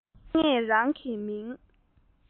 སྔོན མ ངས རང གི མིང